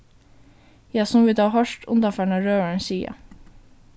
ja sum vit hava hoyrt undanfarna røðaran siga